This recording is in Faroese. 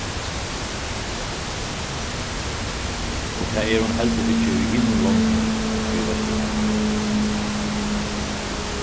og tað er hon heldur ikki í hinum londunum í vesturheiminum